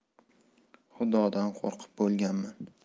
xudodan qo'rqib bo'lganman